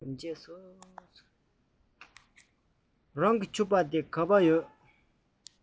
རང གི ཕྱུ པ དེ ག པར ཡོད